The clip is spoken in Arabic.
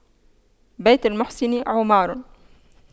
بيت المحسن عمار